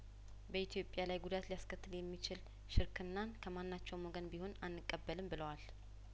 በኢትዮጵያ ላይ ጉዳት ሊያስከትል የሚችል ሽርክናን ከማናቸውም ወገን ቢሆን አንቀበልም ብለዋል